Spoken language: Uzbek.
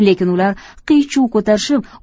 lekin ular qiy chuv ko'tarishib